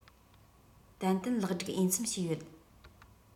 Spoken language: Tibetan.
ཏན ཏན ལེགས སྒྲིག འོས འཚམས བྱས ཡོད